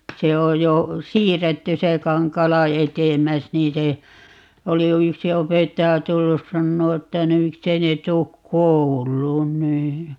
se on jo siirretty se Kankaala edemmäs niin se oli jo yksi opettaja tullut sanomaan että no miksi ei ne tule kouluun niin